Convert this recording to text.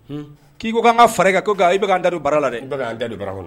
K'i ko'an ka fari ko i bɛ da bara la dɛ da bara la